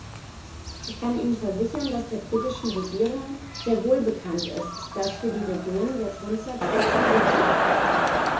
Ich kann Ihnen versichern, dass der britischen Regierung sehr wohl bekannt ist, dass für die Regionen der Grundsatz der Zusätzlichkeit gilt.